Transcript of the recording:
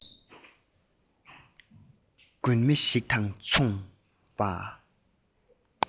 སྒྲོན མེ ཞིག དང མཚུངས པ